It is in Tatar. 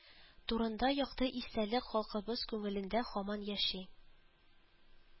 Турында якты истәлек халкыбыз күңелендә һаман яши